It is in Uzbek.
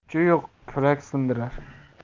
kuchi yo'q kurak sindirar